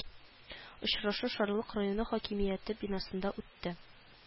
Очрашу шарлык районы хакимияте бинасында үтте